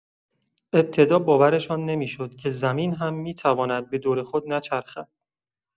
ابتدا باورشان نمی‌شد که زمین هم می‌تواند به دور خود نچرخد.